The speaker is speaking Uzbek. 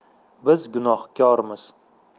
biz gunohkormiz